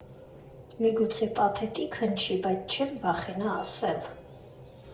Միգուցե պաթետիկ հնչի, բայց չեմ վախենա ասել.